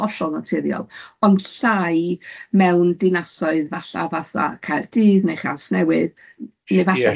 hollol naturiol, ond llai mewn dinasoedd falle fatha Caerdydd neu Chanesnewydd... Ie siŵr.